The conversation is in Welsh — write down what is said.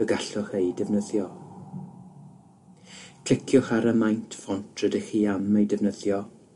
y gallwch eu defnyddio. Cliciwch ar y maint ffont rydych chi am ei defnyddio